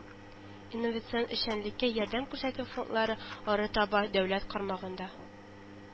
Инновацион эшчәнлеккә ярдәм күрсәтү фондлары арытаба дәүләт карамагында